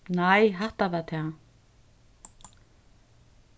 nei hatta var tað